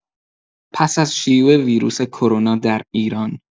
پس از شیوع ویروس کرونا در ایران